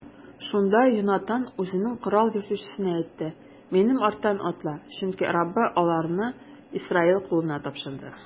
Шунда Йонатан үзенең корал йөртүчесенә әйтте: минем арттан атла, чөнки Раббы аларны Исраил кулына тапшырды.